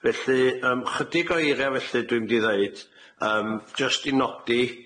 Felly yym chydig o eira felly dwi'n mynd i ddeud yym jyst i nodi